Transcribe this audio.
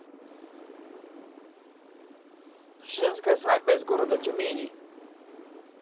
женская свадьба из города тюмени